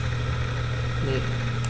Ne.